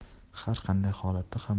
har qanday holatda ham